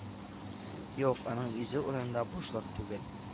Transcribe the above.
Юк, аның йөзе урынында бушлык түгел